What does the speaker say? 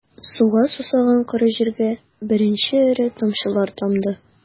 Суга сусаган коры җиргә беренче эре тамчылар тамды...